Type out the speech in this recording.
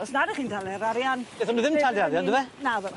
Os nad 'ych chi'n talu'r arian... Nethon nw ddim talu arian do fe? Naddo.